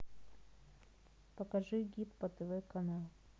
покажи гид по тв каналам